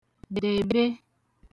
dèbè